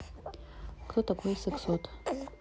кто такой сексот